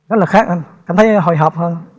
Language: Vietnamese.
rất là khác anh cảm thấy hồi hộp hơn